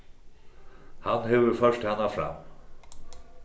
hann hevur ført hana fram